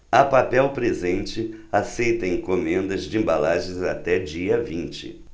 a papel presente aceita encomendas de embalagens até dia vinte